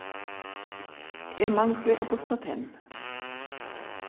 eg mangli at busta tenn